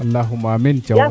alakouma amiin Thiaw